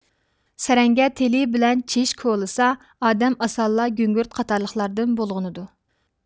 سەرەڭگە تېلى بىلەن چېش كولىسا ئادەم ئاسانلا گۈڭگۈرت قاتارلىقلاردىن بۇلغىنىدۇ